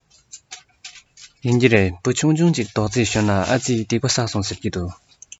ཡིན གྱི རེད འབུ ཆུང ཆུང ཅིག རྡོག རྫིས ཤོར ནའི ཨ རྩི སྡིག པ བསགས སོང ཟེར གྱི འདུག